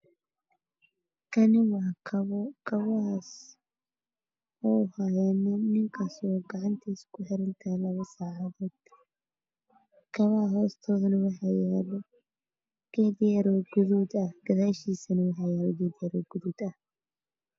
Kani waa kabo kabahas oo hayo nin ninkaso gacantiisa ku xirantahay laba saacadod kabaha hoostadana waxaa yalo geed yaroo guduud ah gadaashisana waxaa yaalo ged yaroo guduud ah